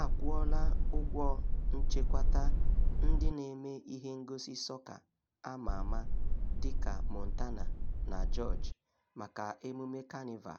A kwụọla ụgwọ nchekwata ndị na-eme ihe ngosi sọka a ma ama dịka Montana na George maka emume Kanịva